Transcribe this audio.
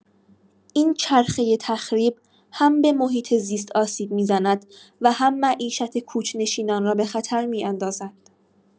این چرخه تخریب، هم به محیط‌زیست آسیب می‌زند و هم معیشت کوچ‌نشینان را به خطر می‌اندازد.